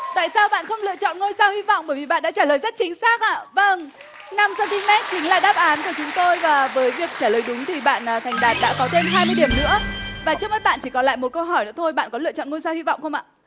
tại sao bạn không lựa chọn ngôi sao hy vọng bởi vì bạn đã trả lời rất chính xác ạ vâng năm xen ti mét chính là đáp án của chúng tôi và với việc trả lời đúng thì bạn thành đạt đã có thêm hai mươi điểm nữa và trước mắt bạn chỉ còn lại một câu hỏi nữa thôi bạn có lựa chọn ngôi sao hy vọng không ạ